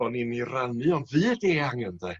O'n i'n 'i rannu o'n fyd eang ynde.